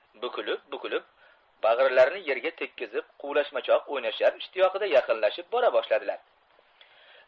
bukilib bukilib bag'irlarini yerga tekkizib quvlashmachoq o'ynash ishtiyoqida yaqinlashib bora boshladilar